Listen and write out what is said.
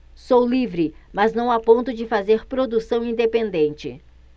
sou livre mas não a ponto de fazer produção independente